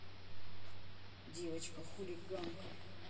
девочка хулиганка